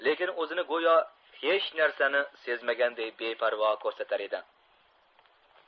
lekin o'zini go'yo hech narsani sezmaganday beparvo ko'rsatar edi